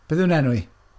Beth yw'n enw i?